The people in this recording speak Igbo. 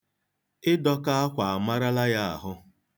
Ịdọka akwa amarala ahụ